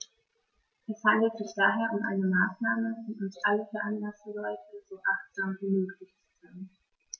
Es handelt sich daher um eine Maßnahme, die uns alle veranlassen sollte, so achtsam wie möglich zu sein.